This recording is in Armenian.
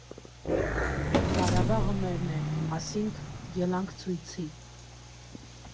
«Ղարաբաղը մերն է» ասինք, ելանք ցույցի։